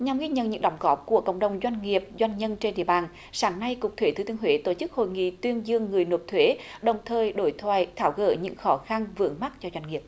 nhằm ghi nhận những đóng góp của cộng đồng doanh nghiệp doanh nhân trên địa bàn sáng nay cục thuế thừa thiên huế tổ chức hội nghị tuyên dương người nộp thuế đồng thời đối thoại tháo gỡ những khó khăn vướng mắc cho doanh nghiệp